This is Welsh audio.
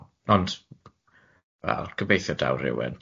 So, ond wel, gobeithio daw rywun.